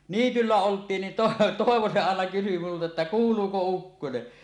niityllä oltiin niin - Toivo se aina kysyi minulta että kuuluuko ukkonen